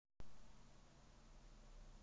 реакция на лимонные несчастья friday night funkin